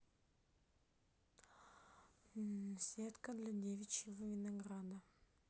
сетка для девичьего винограда